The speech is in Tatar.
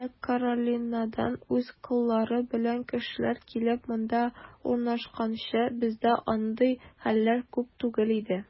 Көньяк Каролинадан үз коллары белән кешеләр килеп, монда урнашканчы, бездә андый хәлләр күп түгел иде.